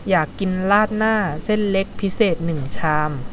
อยากกินราดหน้าเส้นเล็กพิเศษหนึ่งชาม